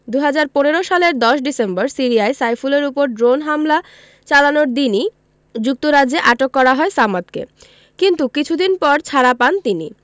২০১৫ সালের ১০ ডিসেম্বর সিরিয়ায় সাইফুলের ওপর ড্রোন হামলা চালানোর দিনই যুক্তরাজ্যে আটক করা হয় সামাদকে কিন্তু কিছুদিন পর ছাড়া পান তিনি